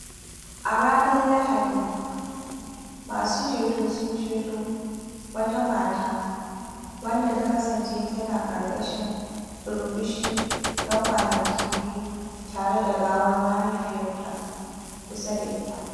A ranar Lahadi, masu ceto sun ceto wata mata wanda ta kasance tana ƙarƙashin burbushi na kwanaki biyu tare da gawar mahaifiyarta kusa da ita.